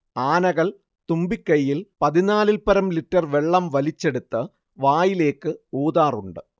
ആനകൾ തുമ്പിക്കൈയിൽ പതിനാലിൽപ്പരം ലിറ്റർ വെള്ളം വലിച്ചെടുത്ത് വായിലേക്ക് ഊതാറുണ്ട്